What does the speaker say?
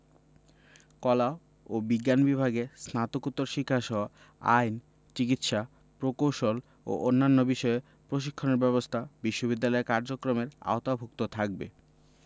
কলা ও বিজ্ঞান বিভাগে স্নাতকোত্তর শিক্ষাসহ আইন চিকিৎসা প্রকৌশল ও অন্যান্য বিষয়ে প্রশিক্ষণের ব্যবস্থা বিশ্ববিদ্যালয়ের কার্যক্রমের আওতাভুক্ত থাকবে